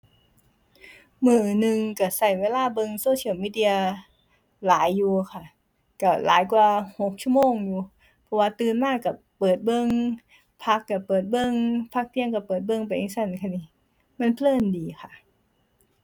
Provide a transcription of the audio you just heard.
มื้อหนึ่งก็ก็เวลาเบิ่ง social media หลายอยู่ค่ะ ก็หลายกว่าหกชั่วโมงอยู่ เพราะว่าตื่นมาก็เปิดเบิ่ง พักก็เปิดเบิ่ง พักเที่ยงก็เปิดเบิ่งไปจั่งซั้นค่ะหนิ มันเพลินดีค่ะ